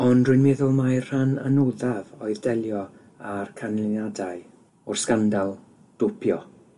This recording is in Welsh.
Ond rwy'n meddwl mai rhan anoddaf oedd delio â'r canlyniadau o'r sgandal dopio.